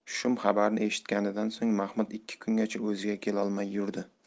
shum xabarni eshitganidan so'ng mahmud ikki kungacha o'ziga kelolmay yurdi